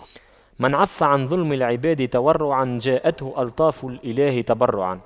من عَفَّ عن ظلم العباد تورعا جاءته ألطاف الإله تبرعا